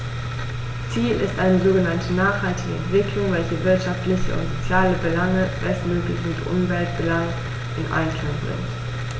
Ziel ist eine sogenannte nachhaltige Entwicklung, welche wirtschaftliche und soziale Belange bestmöglich mit Umweltbelangen in Einklang bringt.